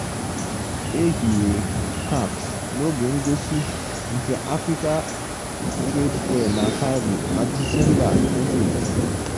E hiwere CAX n'oge ngosi Intra Africa Trade Fair na Cairo, Egypt, na Disemba 2018.